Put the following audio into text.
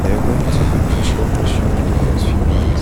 Those are going to be crucial questions in the next few months.